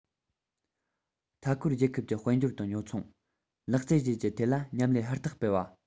མཐའ སྐོར རྒྱལ ཁབ ཀྱི དཔལ འབྱོར དང ཉོ ཚོང ལག རྩལ བཅས ཀྱི ཐད ལ མཉམ ལས ཧུར ཐག སྤེལ བ